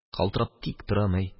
Калтырап тик торам, әй